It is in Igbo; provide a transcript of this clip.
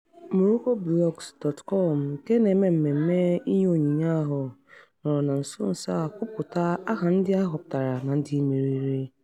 MoroccoBlogs.com, nke na-eme mmemme inye onyinye ahụ, nọrọ na nso nso a kwupụta aha ndị a họpụtara na ndị meriri